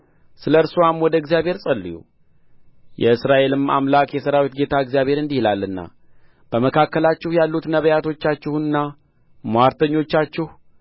ስለ እርስዋም ወደ እግዚአብሔር ጸልዩ የእስራኤልም አምላክ የሠራዊት ጌታ እግዚአብሔር እንዲህ ይላልና በመካከላችሁ ያሉት ነቢያቶቻችሁና ምዋርተኞቻችሁ